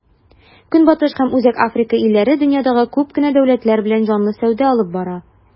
Көнбатыш һәм Үзәк Африка илләре дөньядагы күп кенә дәүләтләр белән җанлы сәүдә алып бара.